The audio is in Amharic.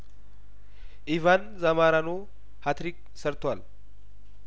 ኢቫን ዛሞራኖ ሀትሪክ ሰርቷል